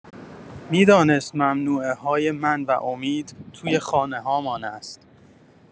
می‌دانست ممنوعه‌های من و امید توی خانه‌هامان است.